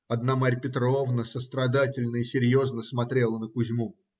одна Марья Петровна сострадательно и серьезно смотрела на Кузьму.